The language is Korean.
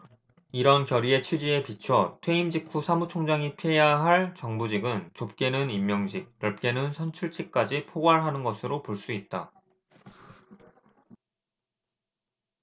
이런 결의의 취지에 비춰 퇴임 직후 사무총장이 피해야 할 정부직은 좁게는 임명직 넓게는 선출직까지 포괄하는 것으로 볼 수 있다